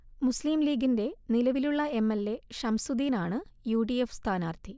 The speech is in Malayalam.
മുസ്ലിം ലീഗിന്റെ നിലവിലുള്ള എം എൽ എ ഷംസുദീൻ ആണ് യൂ ഡി എഫ് സ്ഥാനാർത്ഥി